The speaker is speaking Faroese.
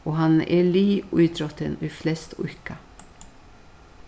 og hann er liðítróttin ið flest íðka